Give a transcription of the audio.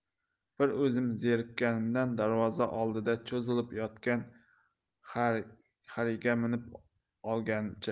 bir o'zim zerikkanimdan darvoza oldida cho'zilib yotgan xariga minib olgancha